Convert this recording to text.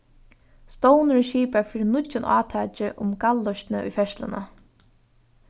stovnurin skipar fyri nýggjum átaki um gáloysni í ferðsluni